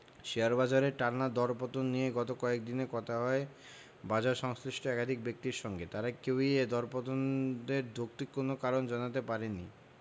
share বাজারের টানা দরপতন নিয়ে গত কয়েক দিনে কথা হয় বাজারসংশ্লিষ্ট একাধিক ব্যক্তির সঙ্গে তাঁদের কেউই এ দরপতনের যৌক্তিক কোনো কারণ জানাতে পারেননি